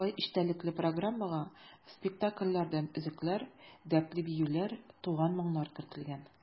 Бай эчтәлекле программага спектакльләрдән өзекләр, дәртле биюләр, туган моңнар кертелгән.